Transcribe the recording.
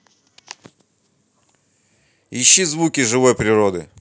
ищи звуки живой природы